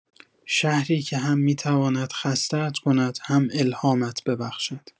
شهری که هم می‌تواند خسته‌ات کند، هم الهامت ببخشد.